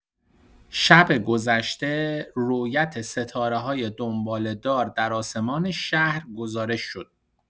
شب گذشته، رؤیت ستاره‌های دنباله‌دار در آسمان شهر گزارش شد.